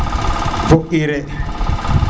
fo urée